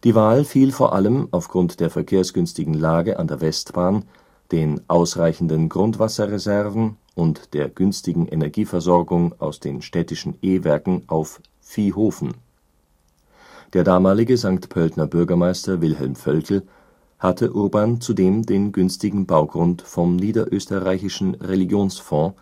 Wahl fiel vor allem aufgrund der verkehrsgünstigen Lage an der Westbahn, den ausreichenden Grundwasserreserven und der günstigen Energieversorgung aus den städtischen E-Werken auf Viehofen. Der damalige St. Pöltner Bürgermeister Wilhelm Voelkl hatte Urban zudem den günstigen Baugrund vom Niederösterreichischen Religionsfonds